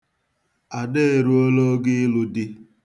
Ada eruola ogo ịlụ di.